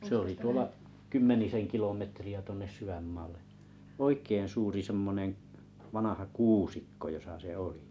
se oli tuolla kymmenisen kilometriä tuonne sydänmaalle oikein suuri semmoinen vanha kuusikko jossa se oli